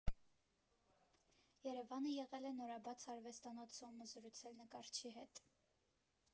ԵՐԵՎԱՆը եղել է նորաբաց արվեստանոցում ու զրուցել նկարչի հետ։